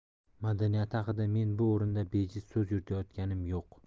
madaniyati haqida men bu o'rinda bejiz so'z yuritayotganim yo'q